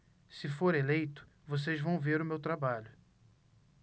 se for eleito vocês vão ver o meu trabalho